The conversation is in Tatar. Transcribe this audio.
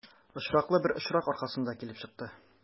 Очраклы бер очрак аркасында килеп чыкты.